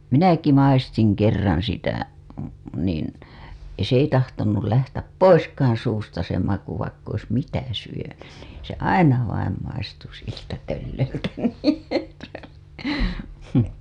minäkin maistoin kerran sitä niin se ei tahtonut lähteä poiskaan suusta se maku vaikka olisi mitä syönyt niin se aina vain maistui siltä tölleröltä